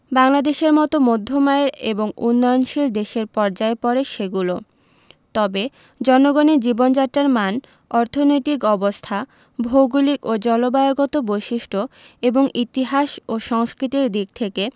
বাংলাদেশের মতো মধ্যম আয়ের এবং উন্নয়নশীল দেশের পর্যায়ে পড়ে সেগুলো তবে জনগণের জীবনযাত্রার মান অর্থনৈতিক অবস্থা ভৌগলিক ও জলবায়ুগত বৈশিষ্ট্য এবং ইতিহাস ও সংস্কৃতির দিক থেকে